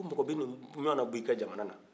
ko mɔgɔ bɛ nin ɲwanna b'i ka jamana la